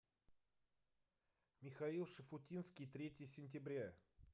михаил шуфутинский третье сентября